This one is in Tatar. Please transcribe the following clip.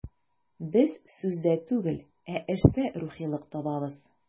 Без сүздә түгел, ә эштә рухилык табабыз.